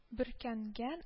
Бөркәнгән